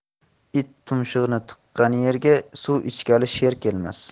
it tumshug'ini tiqqan yerga suv ichgali sher kelmas